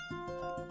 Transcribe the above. d' ccord